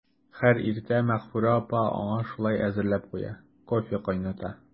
Һәр иртә Мәгъфүрә апа аңа шулай әзерләп куя, кофе кайната.